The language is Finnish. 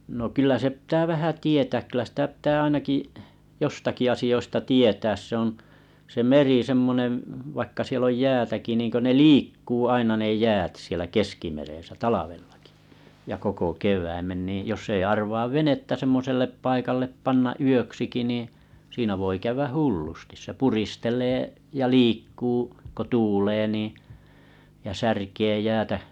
no kyllä se pitää vähän tietää kyllä sitä pitää ainakin jostakin asioista tietää se on se meri semmoinen vaikka siellä on jäätäkin niin kuin ne liikkuu aina ne jäät siellä keskimeressä talvellakin ja koko kevään niin jos ei arvaa venettä semmoiselle paikalle panna yöksikin niin siinä voi käydä hullusti se puristelee ja liikkuu kun tuulee niin ja särkee jäätä